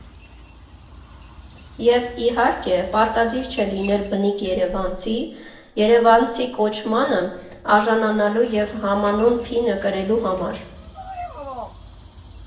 Եվ, իհարկե, պարտադիր չէ լինել բնիկ երևանցի՝ «երևանցի» կոչմանն արժանանալու և համանուն փինը կրելու համար։